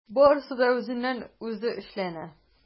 Барысы да үзеннән-үзе эшләнә.